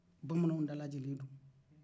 bamananw dalajɛlen do